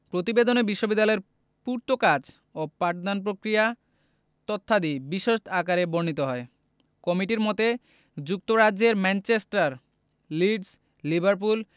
প্রতিবেদনে বিশ্ববিদ্যালয়ের পূর্তকাজ ও পাঠদানবিষয়ক তথ্যাদি বিশদ আকারে বর্ণিত হয় কমিটির মতে যুক্তরাজ্যের ম্যানচেস্টার লিডস লিভারপুল